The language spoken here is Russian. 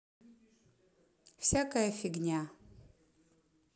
всякая фигня